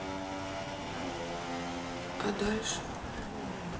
а дальше